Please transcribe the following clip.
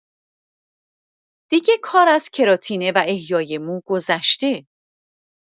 دیگه کار از کراتینه و احیای مو گذشته.